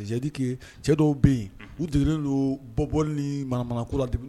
Dike cɛ dɔw bɛ yen u de don bɔbɔ ni maramana ko la